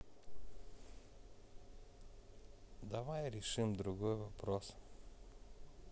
давай решим другой вопрос